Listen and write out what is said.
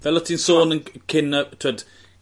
Fel o' ti'n sôn yn c- cyn y t'wod